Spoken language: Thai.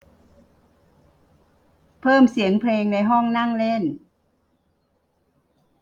เพิ่มเสียงเพลงในห้องนั่งเล่น